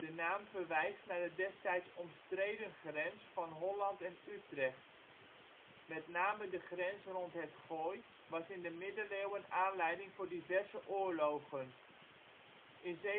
naam verwijst naar de destijds omstreden grens van Holland en Utrecht. Met name de grens rond het Gooi was in de middeleeuwen aanleiding voor diverse oorlogen. In 1719